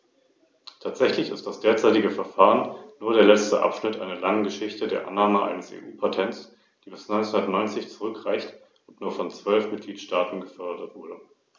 Wir fragen uns oft, vor allem im Ausschuss für Industrie, Forschung und Energie, wie wir genau diese Gruppe von Unternehmen darin bestärken können, Innovationen einzuführen und ihre eigenen Erfindungen zu patentieren.